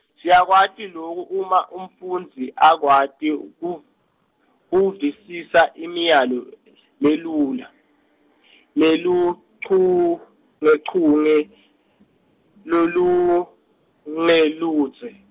siyakwati loku uma umfundzi akwati, ku- kuvisisa imiyalo , lelula , leluchungechunge, lolungeludze.